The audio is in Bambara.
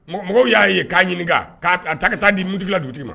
Mɔgɔw y'a ye k'a ɲini' a ta ka taa di motula dugutigi ma